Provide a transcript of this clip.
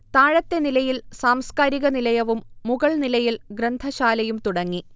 താഴത്തെ നിലയിൽ സാംസ്കാരിക നിലയവും മുകൾനിലയിൽ ഗ്രന്ഥ ശാലയും തുടങ്ങി